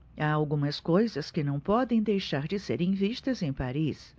há algumas coisas que não podem deixar de serem vistas em paris